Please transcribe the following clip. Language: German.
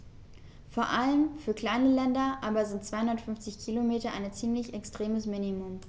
Vor allem für kleine Länder aber sind 250 Kilometer ein ziemlich extremes Minimum.